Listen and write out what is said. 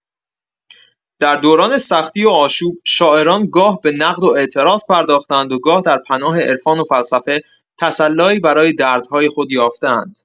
در دوران سختی و آشوب، شاعران گاه به نقد و اعتراض پرداخته‌اند و گاه در پناه عرفان و فلسفه، تسلایی برای دردهای خود یافته‌اند.